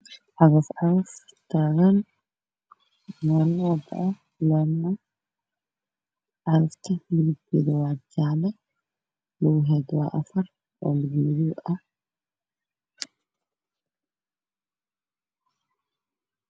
Cagaf cagaf taagan meel laami ah waana jaale